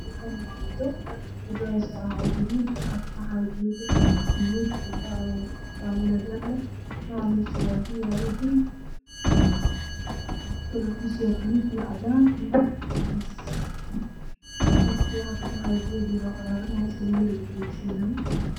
Halkaan waa wado oo carro gaduud ah waxaa kabaxaayo geed yahuud laamo dhaadheer leh, waxaa meesha kuyaalo guri kalarkiisu uu yahay buluug iyo cadaan, cadeys meesha waxaa kabaxaayo geed yar oo lamayeeri kuwareegsan yahay.